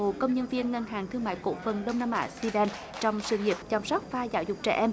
bộ công nhân viên ngân hàng thương mại cổ phần đông nam á si ben trong sự nghiệp chăm sóc và giáo dục trẻ em